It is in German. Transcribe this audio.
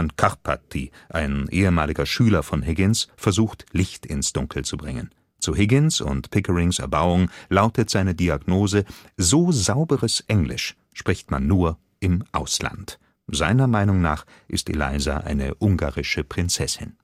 Karpathy, ein ehemaliger Schüler von Higgins, versucht Licht ins Dunkel zu bringen. Zu Higgins und Pickerings Erbauung, lautet seine Diagnose: So sauberes Englisch spricht man nur im Ausland, seiner Meinung nach ist Eliza eine ungarische Prinzessin